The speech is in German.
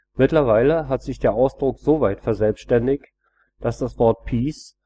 Mittlerweile hat sich der Ausdruck soweit verselbständigt, dass das Wort „ piece